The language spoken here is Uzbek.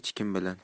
xech kim bilan